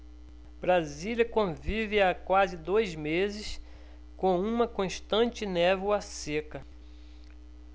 brasília convive há quase dois meses com uma constante névoa seca